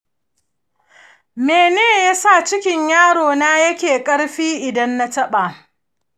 mene yasa cikin yaro na yake ƙarfi idan na taɓa?